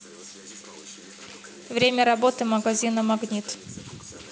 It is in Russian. время работы магазина магнит